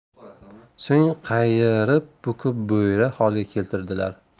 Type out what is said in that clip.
so'ng qayirib bukib bo'yra holiga keltirdilar